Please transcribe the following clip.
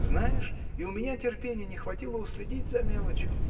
Знаешь, и у меня терпения не хватило уследить за мелочью.